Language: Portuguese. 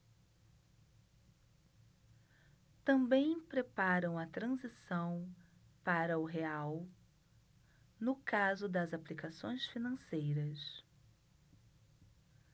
também preparam a transição para o real no caso das aplicações financeiras